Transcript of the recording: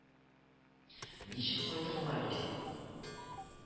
Ничек кайтырлар икән